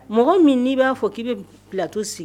Mɔgɔ min n'i b'a fɔ k i'i bɛ bilatto sigi